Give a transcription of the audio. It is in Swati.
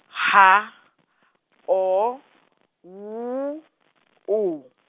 H, O, W, U.